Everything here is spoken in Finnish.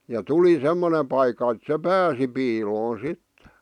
ja tuli semmoinen paikka että se pääsi piiloon sitten